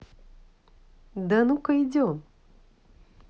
да ну ка идем